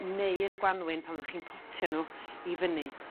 neu yn y Gwanwyn pan fyddach chi'n potio n'w i fyny